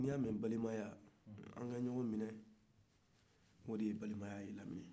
n'i ya mɛ balimaya an ka ɲɔgɔ minɛ o de ye balimaya ye lamini